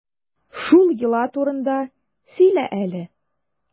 Шул йола турында сөйлә әле.